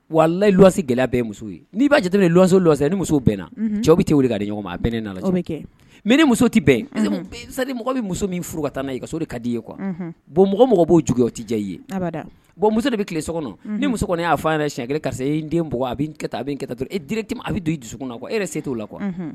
Walayi wasi gɛlɛya n'i b'a jate ne ni lɔso ni muso bɛnna cɛw bɛ tɛ wuli ka ɲɔgɔn a bɛ ne mɛ muso tɛ bɛn mɔgɔ bɛ muso min furu ka taa i ka so ka d di ye kuwa bɔn mɔgɔ mɔgɔ b' juguyayɔ tɛ diya ye muso de bɛ tile so kɔnɔ ni muso y'a fɔ yɛrɛ si karisa n den a to ema a bɛ don i dusu kɔnɔ kuwa e se t'o la kuwa